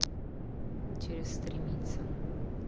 через стремиться